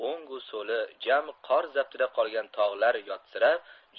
o'ngu so'li jami qor zabtida qolgan tog'lar yotsirab